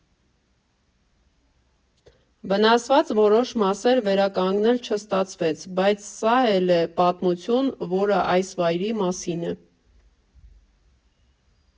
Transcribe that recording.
Վնասված որոշ մասեր վերականգնել չստացվեց, բայց սա էլ է պատմություն, որը այս վայրի մասին է։